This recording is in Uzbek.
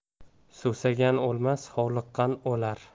suvsagan o'lmas hovliqqan o'lar